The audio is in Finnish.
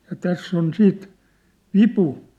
ja tässä on siitä vipu